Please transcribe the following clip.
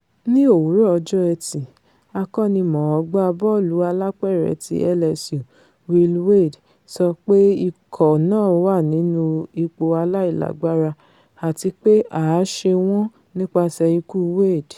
Ní òwúrọ ọjọ́ Ẹtì, akọ́nimọ̀-ọ́n-gbá bọ́ọ̀lù alápẹ̀rẹ̀ ti LSU Will Wade sọ pé ikọ̀ náà wà nínú ''ipò aláìlágbára'' àtipé ''háà ṣe wọ́n'' nípaṣẹ̵̀ ikú Wayde.